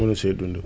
munu see dund